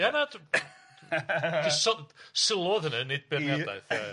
Ie na, dw jyst syl sylw odd hynna nid beirniadaeth de.